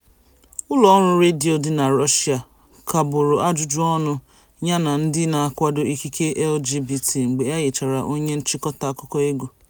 Ụlọọrụ redio dị na Russia kagburu ajụjụọnụ ya na ndị n'akwado ikike LGBT mgbe ha yichara onye nchịkọta akụkọ egwu.